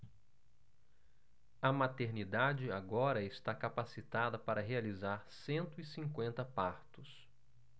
a maternidade agora está capacitada para realizar cento e cinquenta partos